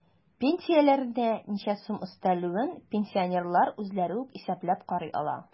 Пенсияләренә ничә сум өстәлүен пенсионерлар үзләре үк исәпләп карый ала.